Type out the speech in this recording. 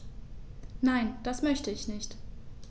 Nein, das möchte ich nicht.